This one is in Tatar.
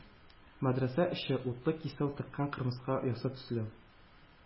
Мәдрәсә эче, утлы кисәү тыккан кырмыска оясы төсле,